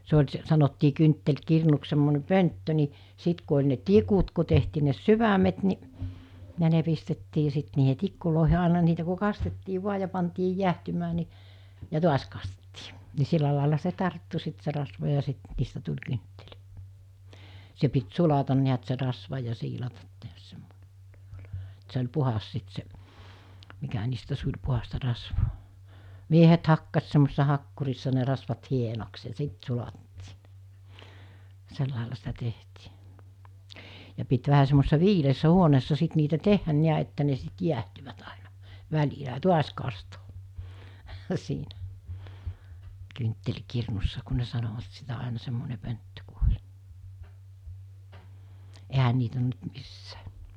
se oli - sanottiin kynttiläkirnuksi semmoinen pönttö niin sitten kun oli ne tikut kun tehtiin ne sydämet niin ja ne pistettiin sitten niihin tikkuihin aina niin niitä kun kastettiin vain ja pantiin jäähtymään niin ja taas kastettiin niin sillä lailla se tarttui sitten se rasva ja sitten niistä tuli kynttilät se piti sulata näet se rasva ja siilata tehdä semmoinen että se oli puhdas sitten se mikä niistä suli puhdasta rasvaa miehet hakkasi semmoisessa hakkurissa ne rasvat hienoksi ja sitten sulatettiin ne sillä lailla sitä tehtiin ja piti vähän semmoisessa viileässä huoneessa sitten niitä tehdä näet että ne sitten jäähtyivät aina välillä ja taas kastaa siinä kynttiläkirnussa kun ne sanoivat sitä aina semmoinen pönttö kun oli eihän niitä ole nyt missään